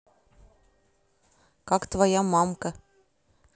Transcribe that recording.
как твоя мамка